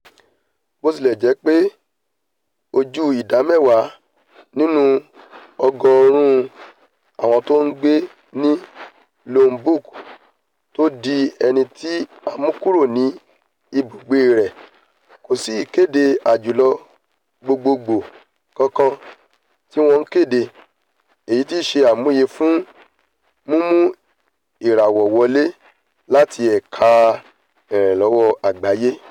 Bó tilè jẹ pé ó ju ìdá mẹ́wàá nínú ọgọ́ọ̀rún àwọn tó ń gbé ní Lombok tó di ẹni tí a mú kúrò ní ibùgbe rẹ̀, kòsì ìkéde àjálù gbogbogbòò kankan tí wọ́n kéde, èyi tíí ṣe àmúyẹ fún mímú ìrànwọ́ wọlé láti ẹ̀ka ìrànlọ́wọ́ àgbáyé.